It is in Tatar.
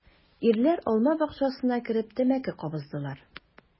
Ирләр алма бакчасына кереп тәмәке кабыздылар.